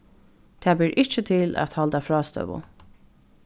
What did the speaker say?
tað ber ikki til at halda frástøðu